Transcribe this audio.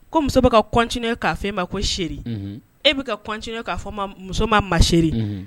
Ko muso bɛ katinin k'a fɔ ma ko seri e bɛ kɛtinin k'a fɔ ma muso ma ma se